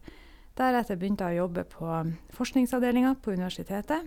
Deretter begynte jeg å jobbe på forskningsavdelinga på universitetet.